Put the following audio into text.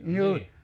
niin